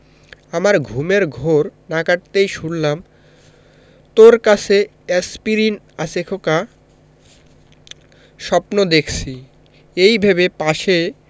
আমার ঘুমের ঘোর না কাটতেই শুনলাম তোর কাছে এ্যাসপিরিন আছে খোকা স্বপ্ন দেখছি এই ভেবে পাশে